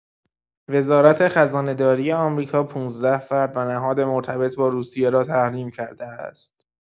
وزارت خزانه‌داری آمریکا ۱۵ فرد و نهاد مرتبط با روسیه را تحریم کرده است.